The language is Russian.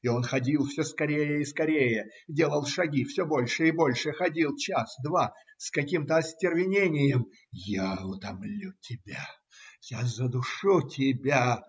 И он ходил все скорее и скорее, делал шаги все больше и больше, ходил час, два с каким-то остервенением. - Я утомлю тебя. Я задушу тебя!